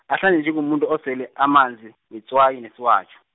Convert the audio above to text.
ahlanze njengomuntu osele amanzi, wetswayi nesiwatjho.